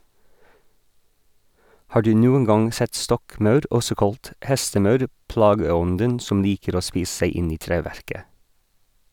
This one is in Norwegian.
Har du noen gang sett stokkmaur, også kalt hestemaur, plageånden som liker å spise seg inn i treverket?